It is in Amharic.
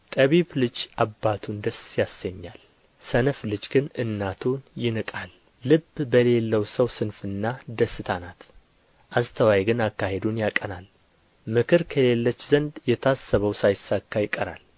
ጠቢብ ልጅ አባቱን ደስ ያሰኛል ሰነፍ ልጅ ግን እናቱን ይንቃል ልብ ለሌለው ሰው ስንፍና ደስታ ናት አስተዋይ ግን አካሄዱን ያቀናል ምክር ከሌለች ዘንድ የታሰበው ሳይሳካ ይቀራል